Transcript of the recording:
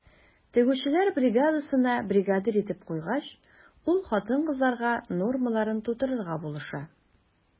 Тегүчеләр бригадасына бригадир итеп куйгач, ул хатын-кызларга нормаларын тутырырга булыша.